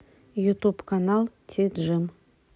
ютуб канал ти джим